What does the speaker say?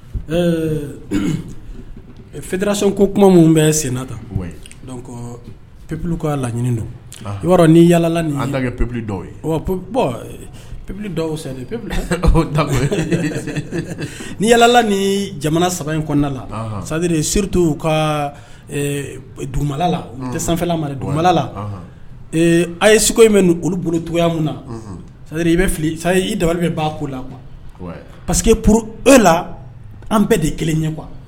Draso ko kuma minnu bɛ senna kan peplu ka laɲini don yɔrɔ yaala pep dɔw ye bɔn p pep pe ta ni yalala ni jamana saba in kɔnɔna la sari surutu u kalala u tɛ sanfɛfɛlamabalala a ye segu in bɛ olu bolo tuya min na sari i bɛ i dabali bɛ ba ko la qu pa que p e la an bɛɛ de kelen ye kuwa